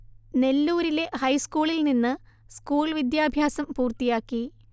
നെല്ലൂരിലെ ഹൈസ്കൂളിൽ നിന്ന് സ്കൂൾ വിദ്യാഭ്യാസം പൂർത്തിയാക്കി